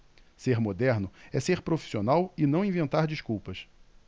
ser moderno é ser profissional e não inventar desculpas